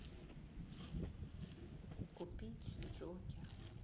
купить джокер